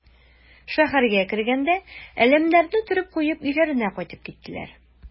Шәһәргә кергәндә әләмнәрне төреп куеп өйләренә кайтып киттеләр.